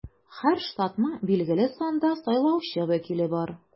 Һәр штатның билгеле санда сайлаучы вәкиле бар.